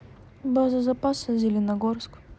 база запаса зеленогорск